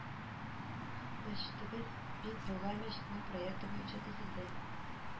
Мәчетебез бит Болгар мәчетенең проекты буенча төзелде